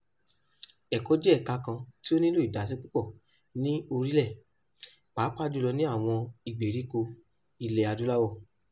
Ẹ̀kọ́ jẹ́ ẹ̀ka kan tí ó nílò ìdásí púpọ̀ ní orílẹ̀, pàápàá jùlọ ní àwọn ìgbèríko ilẹ̀ Adúláwọ̀.